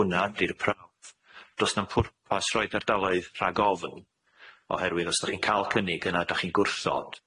Hwnna ydi'r prawf, do's na'm pwrpas rhoid ardaloedd rhag ofn oherwydd os dach chi'n ca'l cynnig yna dach chi'n gwrthod,